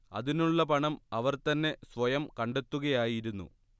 അതിനുള്ള പണം അവർ തന്നെ സ്വയം കണ്ടെത്തുകയായിരുന്നു